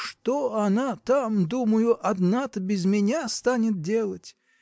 что она там, думаю, одна-то, без меня станет делать?